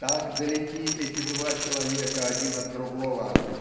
Так далеки эти два человека один от другого